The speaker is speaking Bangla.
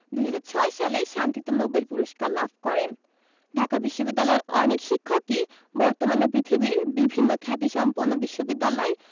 ২০০৬ সালে শান্তিতে নোবেল পূরস্কার লাভ করেন ঢাকা বিশ্ববিদ্যালয়ের অনেক শিক্ষকই বর্তমানে পৃথিবীর বিভিন্ন খ্যাতিসম্পন্ন বিশ্ববিদ্যালয়